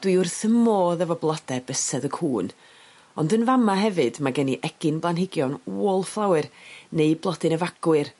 Dwi wrth 'ym modd efo blode bysedd y cŵn ond yn fa' 'ma hefyd ma' gen i egin blanhigion wallfflower neu blodyn y fagwyr.